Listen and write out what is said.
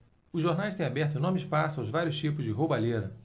os jornais têm aberto enorme espaço aos vários tipos de roubalheira